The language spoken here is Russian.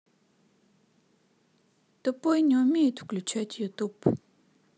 тупой не умеет включать ютуб